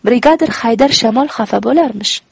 brigadir haydar shamol xafa bo'larmish